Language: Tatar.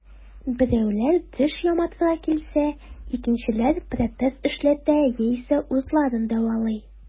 Берәүләр теш яматырга килсә, икенчеләр протез эшләтә яисә уртларын дәвалый.